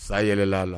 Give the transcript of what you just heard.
Sa yɛlɛla la.